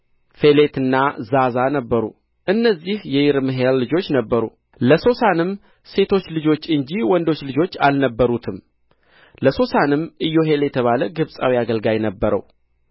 ፌሌትና ዛዛ ነበሩ እነዚህ የይረሕምኤል ልጆች ነበሩ ለሶሳንም ሴቶች ልጆች እንጂ ወንዶች ልጆች አልነበሩትም ለሶሳንም ኢዮሄል የተባለ ግብጻዊ አገልጋይ ነበረው